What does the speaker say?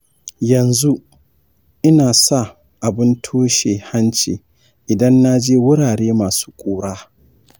yanzu ina sa abun toshe hanci idan naje wurare masu ƙura.